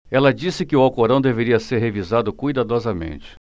ela disse que o alcorão deveria ser revisado cuidadosamente